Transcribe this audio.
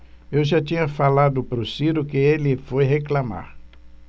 eu já tinha falado pro ciro que ele foi reclamar